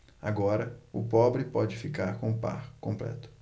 agora o pobre pode ficar com o par completo